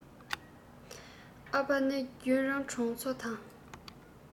ཨ ཕ ནི རྒྱུན རང གྲོང ཚོ དང